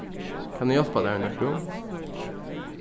kann eg hjálpa tær við nøkrum